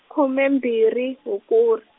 khume mbirhi Hukuri.